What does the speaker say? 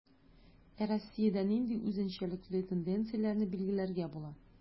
Ә Россиядә нинди үзенчәлекле тенденцияләрне билгеләргә була?